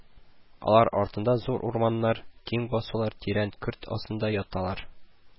Алар артында зур урманнар, киң басулар тирән көрт астында яталар